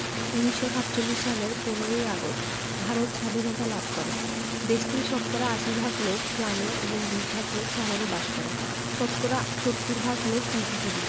১৯৪৭ সালের ১৫ ই আগস্ট ভারত সাধীনতা লাভ করেদেশটির শতকরা ৮০ ভাগ লোক গ্রামে এবং ২০ ভাগ লোক শহরে বাস করেশতকরা ৭০ ভাগ লোক কৃষিজীবী